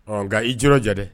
Ɔ nka i j jate dɛ